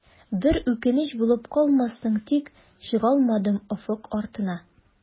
Бер үкенеч булып калмассың тик, чыгалмадым офык артына.